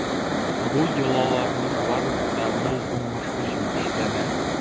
Бу йолаларның барысы да мул уңыш өчен эшләнә.